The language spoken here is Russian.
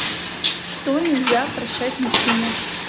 что нельзя прощать мужчине